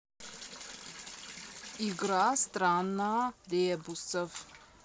игра страна ребусов